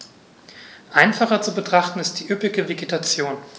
Einfacher zu betrachten ist die üppige Vegetation.